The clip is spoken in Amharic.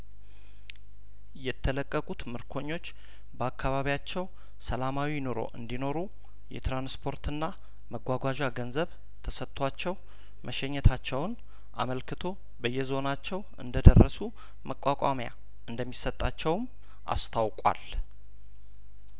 የተለቀቁት ምርኮኞች በአካባቢያቸው ሰላማዊ ኑሮ እንዲ ኖሩ የትራንስፖርትና መጓጓዣ ገንዘብ ተሰጥቷቸው መሸኘታቸውን አመልክቶ በየዞ ናቸው እንደደረሱ መቋቋሚያ እንደሚሰጣቸውም አስታውቋል